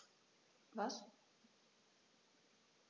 Was?